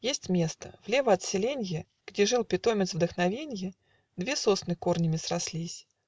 Есть место: влево от селенья, Где жил питомец вдохновенья, Две сосны корнями срослись